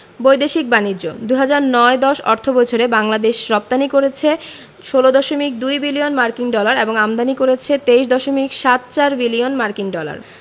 বৈদেশিক বাণিজ্যঃ ২০০৯ ১০ অর্থবছরে বাংলাদেশ রপ্তানি করেছে ১৬দশমিক ২ বিলিয়ন মার্কিন ডলার এবং আমদানি করেছে ২৩দশমিক সাত চার বিলিয়ন মার্কিন ডলার